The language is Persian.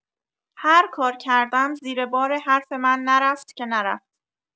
هرکار کردم زیر بار حرف من نرفت که نرفت!